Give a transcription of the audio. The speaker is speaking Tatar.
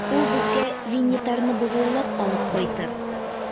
Ул безгә Винитарны богаулап алып кайтыр.